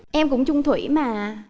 em cũng chung thủy mà